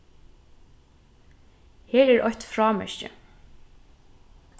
her er eitt frámerki